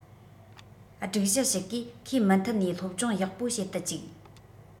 སྒྲིག གཞི ཞིག གིས ཁོས མུ མཐུད ནས སློབ སྦྱོང ཡག པོ བྱེད དུ བཅུག